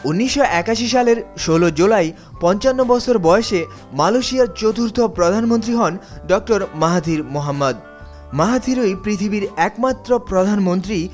১৯৮১ সালে ১৬ জুলাই ৫৫ বছর বয়সে মালয়েশিয়ার চতুর্থ প্রধানমন্ত্রী হন ড মাহাথির মোহাম্মদ মাহাথিরই পৃথিবীর একমাত্র প্রধানমন্ত্রী